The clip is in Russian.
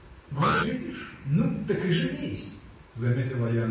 — Вот видишь; ну так и женись. — заметил Аянов.